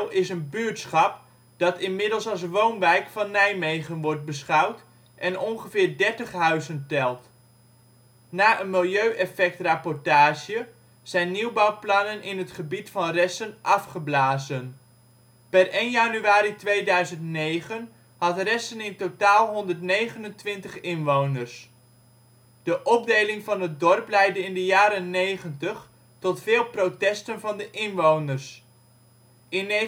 is een buurtschap dat inmiddels als woonwijk van Nijmegen wordt beschouwd en ongeveer dertig huizen telt. Na een milieueffectrapportage zijn nieuwbouwplannen in het gebied van Ressen afgeblazen. Per 1 januari 2009 had Ressen in totaal 129 inwoners. De opdeling van het dorp leidde in de jaren negentig tot veel protesten van de inwoners. In 1995